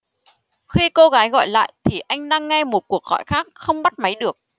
khi cô gái gọi lại thì anh đang nghe một cuộc gọi khác không bắt máy được